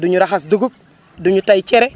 du ñu raxas dugub du ñu tey cere